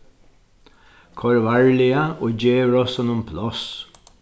koyr varliga og gev rossinum pláss